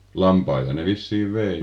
lampaita ne vissiin vei